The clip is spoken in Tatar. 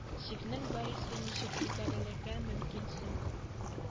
Җирнең бәясе ничек күтәрелергә мөмкин соң